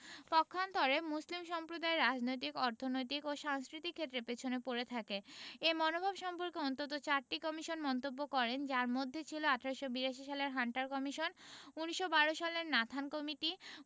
পক্ষান্তরে মুসলিম সম্প্রদায় রাজনৈতিক অর্থনৈতিক ও সাংস্কৃতিক ক্ষেত্রে পেছনে পড়ে থাকে এ মনোভাব সম্পর্কে অন্তত চারটি কমিশন মন্তব্য করেন যার মধ্যে ছিল ১৮৮২ সালের হান্টার কমিশন ১৯১২ সালের নাথান কমিটি